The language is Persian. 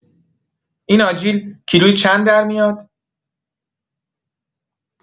این آجیل کیلویی چند در می‌آد؟